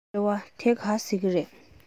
རེ བ ད ག ཟེ རེད